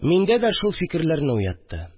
Миндә дә шул фикерләрне уятты